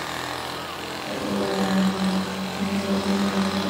Det er vel mye å jobbing mellom nå.